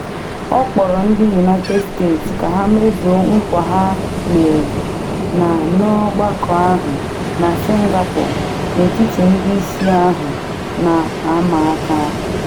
Ọ kpọrọ ndị United States ka ha mezuo nkwa ha mere na n’ọgbakọ ahụ na Singapore n’etiti ndị isi ahụ na ama aka.